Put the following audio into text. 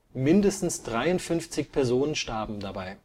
Mindestens 53 Personen starben dabei